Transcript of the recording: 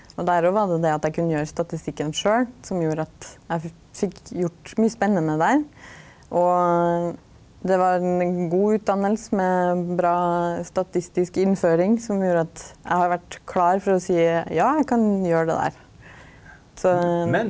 og der òg var det det at eg kunne gjera statistikken sjølv som gjorde at eg fekk gjort mykje spennande der, og det var ein god utdanning med bra statistisk innføring som gjorde at eg har vore klar for å seia ja eg kan gjera det der så.